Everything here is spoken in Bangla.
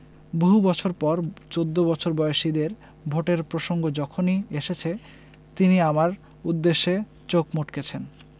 বহু বছর পর চৌদ্দ বছর বয়সীদের ভোটের প্রসঙ্গ যখনই এসেছে তিনি আমার উদ্দেশে চোখ মটকেছেন